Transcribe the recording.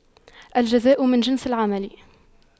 الجزاء من جنس العمل